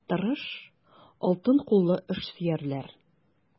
Тырыш, алтын куллы эшсөярләр.